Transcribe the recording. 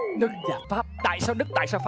đức và pháp tại sao đức tại sao